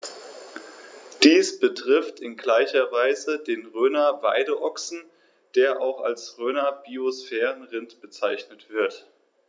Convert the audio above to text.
Dies betrifft in gleicher Weise den Rhöner Weideochsen, der auch als Rhöner Biosphärenrind bezeichnet wird.